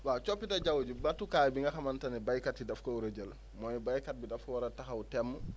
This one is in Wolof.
waaw coppite jaww ji matukaay bi nga xamante ne béykat yi daf ko war a jël mooy béykat bi dafa war a taxaw temm